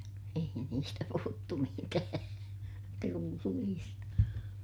ei niistä puhuttu mitään trulleista